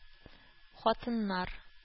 Хатыннар